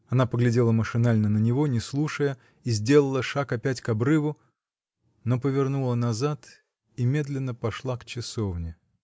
Она поглядела машинально на него, не слушая, и сделала шаг опять к обрыву, но повернула назад и медленно пошла к часовне.